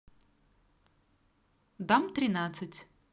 дам тринадцать